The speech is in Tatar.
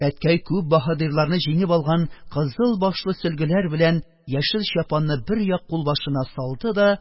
Әткәй күп баһадирларны җиңеп алган кызыл башлы сөлгеләр белән яшел чапанны бер як кулбашына салды да,